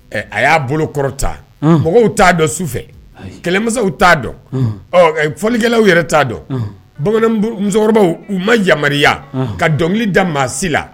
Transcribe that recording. A y'a bolokɔrɔ ta mɔgɔw t'a dɔn sufɛ kɛlɛmasaw t'a dɔn fɔlikɛlawlaw yɛrɛ t'a dɔn bamanan musokɔrɔbaw u ma yama ka dɔnkili da maasi la